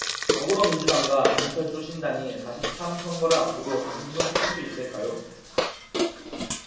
더불어민주당과 안철수 신당이 사 십 삼 선거를 앞두고 다시 힘을 합칠 수 있을까요